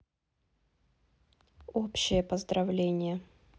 общее поздравление